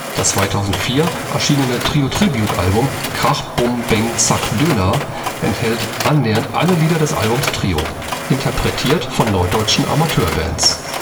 Das 2004 erschienene Trio-Tribut-Album Krach Bum Bäng Zack Döner enthält annähernd alle Lieder des Albums Trio – interpretiert von norddeutschen Amateurbands